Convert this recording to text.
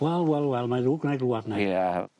Wel wel wel mae ddrwg gynnai glŵad 'na. Ia.